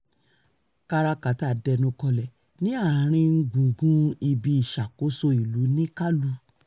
Káràkátà dẹnu kọlẹ̀ ní àárín gbùngbùn ibi ìṣàkóso ìlú ní Kalou.